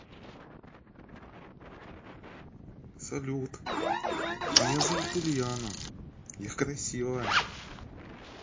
салют меня зовут ульяна я красивая